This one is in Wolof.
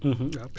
waaw